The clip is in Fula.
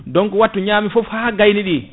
donc wattu ñami foof ha gayni ɗi